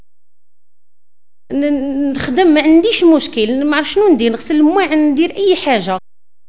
ننصدم ما عنديش مشكله ما عندي ما عندي اي حاجه